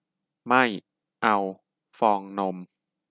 ไม่เอาฟองนม